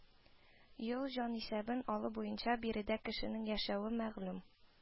Ел җанисәбен алу буенча биредә кешенең яшәве мәгълүм